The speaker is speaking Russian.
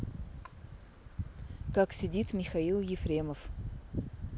как сидит михаил ефремов